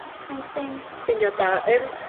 Those kind o' things? Syniad da yym.